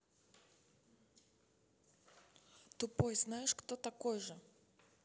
тупой знаешь кто такой же